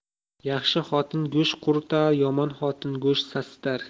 yaxshi xotin go'sht quritar yomon xotin go'sht sasitar